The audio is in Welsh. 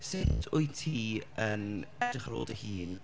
sut wyt ti yn edrych ar ôl dy hun...